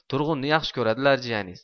turg'unni yaxshi ko'radilar jiyaniz